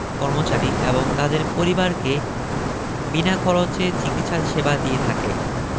কর্মকর্তাকর্মচারী এবং তাদের পরিবারকে বিনা খরচে চিকিৎসা সেবা দিয়ে থাকে